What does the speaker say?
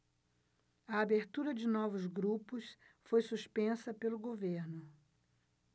a abertura de novos grupos foi suspensa pelo governo